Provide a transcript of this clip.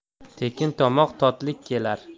tekin tomoq totlik kelar